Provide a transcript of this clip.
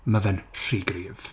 Mae fe'n rhy gryf.